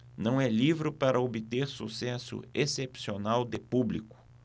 não é livro para obter sucesso excepcional de público